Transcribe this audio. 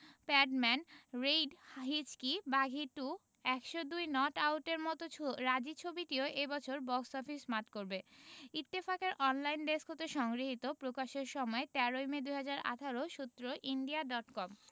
Padman Raid Hichki Baaghi two ১০২ not আউটের মতো রাজী ছবিটিও এ বছর বক্স অফিস মাত করবে ইত্তেফাক এর অনলাইন ডেস্ক হতে সংগৃহীত প্রকাশের সময় ১৩ মে ২০১৮ সূত্র ইন্ডিয়া ডট কম